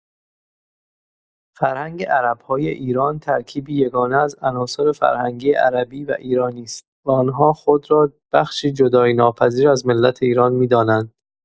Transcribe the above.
فرهنگ عرب‌های ایران ترکیبی یگانه از عناصر فرهنگی عربی و ایرانی است و آن‌ها خود را بخشی جدایی‌ناپذیر از ملت ایران می‌دانند.